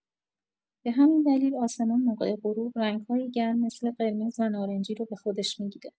به همین دلیل آسمان موقع غروب، رنگ‌های گرم مثل قرمز و نارنجی رو به خودش می‌گیره.